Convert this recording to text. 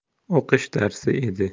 o'qish darsi edi